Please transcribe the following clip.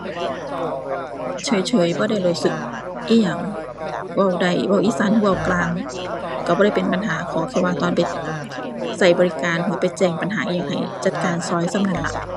เฉยเฉย บ่ได้รู้สึกอิหยัง เว้าได้เว้าอีสานรึเว้ากลางรึบ่ได้เป็นปัญหา ขอแค่ว่าตอนไป รึบริการหรือไปแจ้งปัญหาอิหยังให้จัดการรึส่ำนั้นล่ะ